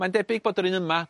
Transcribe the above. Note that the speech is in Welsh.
mae'n debyg bod yr un yma